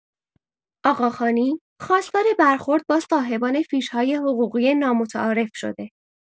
آقاخوانی خواستار برخورد با صاحبان فیش‌های حقوقی نامتعارف شده.